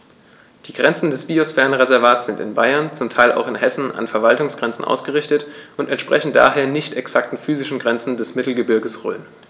Die Grenzen des Biosphärenreservates sind in Bayern, zum Teil auch in Hessen, an Verwaltungsgrenzen ausgerichtet und entsprechen daher nicht exakten physischen Grenzen des Mittelgebirges Rhön.